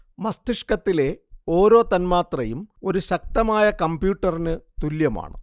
മസ്തിഷ്കത്തിലെ ഓരോ തന്മാത്രയും ഒരു ശക്തമായ കമ്പ്യൂട്ടറിനു തുല്യമാണ്